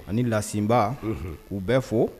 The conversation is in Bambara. Ani lasiba Unhun ku bɛ fo